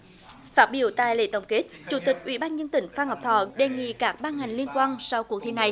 phát biểu tại lễ tổng kết chủ tịch ủy ban nhân tỉnh phan ngọc thọ đề nghị các ban ngành liên quan sau cuộc thi này